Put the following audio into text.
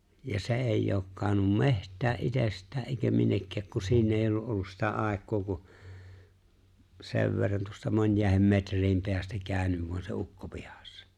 ja se ei ole kadonnut metsään itsestään eikä minnekään kun siinä ei ole ollut sitä aikaa kuin sen verran tuosta monien metrien päästä käynyt vain se ukko pihassa